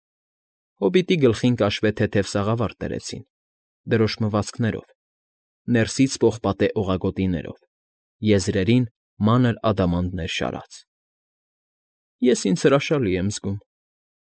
Հոբիտի գլխին կաշվե թեթև սաղավարտ դրեցին՝ դրոշմվածքներով, ներսից պողպատե օղագոտիներով, եզրերին մանր ադամանդներ շարած։ «Ես ինձ հրաշալի եմ զգում,֊